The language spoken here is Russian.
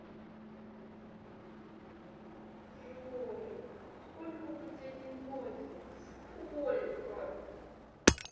джой сколько быть одиноким сколько